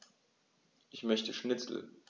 Ich möchte Schnitzel.